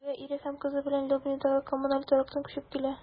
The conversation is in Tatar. Ул бирегә ире һәм кызы белән Лобнядагы коммуналь торактан күчеп килә.